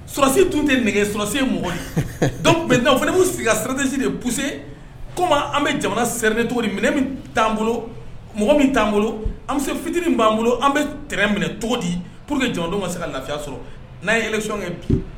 Susi tun tɛ nɛgɛ sɔsi mɔgɔ fana' sigi ka siraretesi de pse komi an bɛ jamanaree minɛ min t'an bolo mɔgɔ min t'an bolo an bɛ se fittiriinin b'an bolo an bɛ trɛn minɛ cogo di pur que jɔndenw ka se ka lafiya sɔrɔ n'a ye siɔn kɛ